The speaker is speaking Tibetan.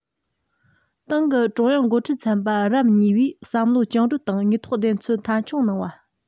ཏང གི ཀྲུང དབྱང འགོ ཁྲིད ཚན པ རབས གཉིས པས བསམ བློ བཅིངས འགྲོལ དང དངོས ཐོག བདེན འཚོལ མཐའ འཁྱོངས གནང བ